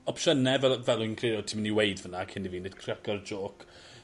opsiyne fel o- fel wy'n credu o' ti myn' i weud fynna cyn i fi neud craco'r jôc